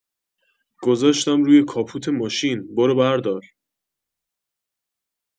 گذاشتم روی کاپوت ماشین برو بردار